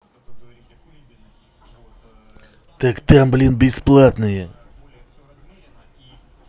так там блин бесплатные